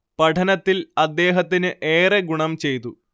പഠനത്തിൽ അദ്ദേഹത്തിന് ഏറെ ഗുണം ചെയ്തു